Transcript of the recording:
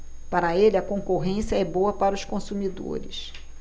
para ele a concorrência é boa para os consumidores